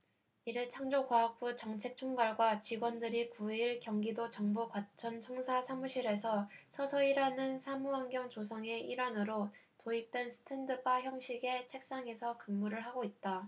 미래창조과학부 정책총괄과 직원들이 구 일 경기도 정부과천청사 사무실에서 서서 일하는 사무환경 조성의 일환으로 도입된 스탠드바 형식의 책상에서 근무를 하고 있다